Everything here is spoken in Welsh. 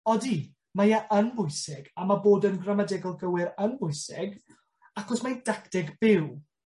odi, mae e yn bwysig, a ma' bod yn gramadegol gywir yn bwysig, achos mae'n dagteg byw,